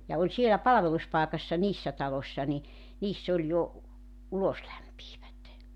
ja oli siellä palveluspaikassa niissä taloissa niin niissä oli jo uloslämpiävät